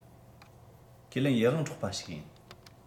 ཁས ལེན ཡིད དབང འཕྲོག པ ཞིག ཡིན